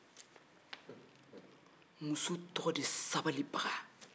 muso tɔgɔ de ye sabalibaga